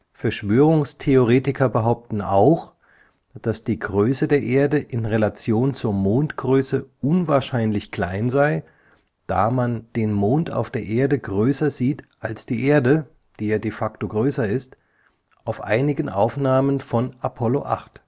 Verschwörungstheoretiker behaupten auch, dass die Größe der Erde in Relation zur Mondgröße unwahrscheinlich klein sei, da man den Mond auf der Erde größer sieht als die Erde (die ja de facto größer ist) auf dieser Aufnahme von Apollo 8.